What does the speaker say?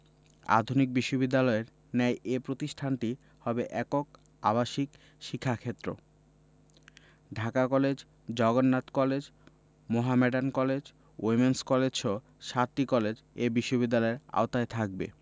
আধুনিক বিশ্ববিদ্যালয়ের ন্যায় এ প্রতিষ্ঠানটি হবে একক আবাসিক শিক্ষাক্ষেত্র Dhaka college Jagannath college Mohammedan college women's কলেজসহ সাতটি কলেজ এ বিশ্ববিদ্যালয়ের আওতায় থাকবে